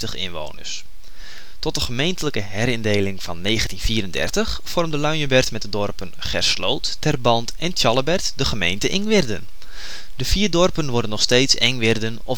2004). Tot de gemeentelijke herindeling van 1934 vormde Luinjeberd met de dorpen Gersloot, Terband en Tjalleberd de gemeente Aengwirden. De vier dorpen worden nog steeds Aengwirden